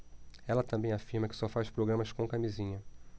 ela também afirma que só faz programas com camisinha